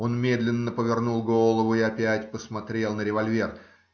Он медленно повернул голову и опять посмотрел на револьвер.